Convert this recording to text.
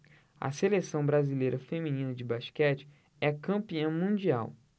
a seleção brasileira feminina de basquete é campeã mundial